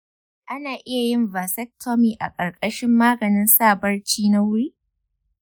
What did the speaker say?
ana iya yin vasectomy a ƙarƙashin maganin sa barci na wuri.